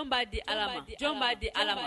Jɔn b'a di allah ma ? Jɔn b'a di allah ma ?